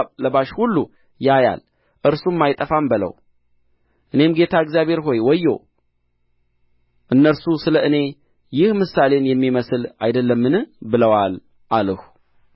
ለባሽ ሁሉ ያያል እርሱም አይጠፋም በለው እኔም ጌታ እግዚአብሔር ሆይ ወዮ እነርሱ ስለ እኔ ይህ ምሳሌን የሚመስል አይደለምን ብለዋል አልሁ